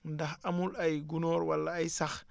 ndax amul ay gunóor wala ay sax